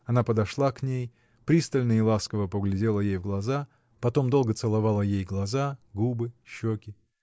Она подошла к ней, пристально и ласково поглядела ей в глаза, потом долго целовала ей глаза, губы, щеки.